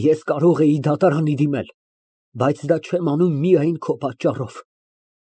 Ես կարող էի դատարան դիմել, բայց այդ չեմ անում միայն քո պատճառով։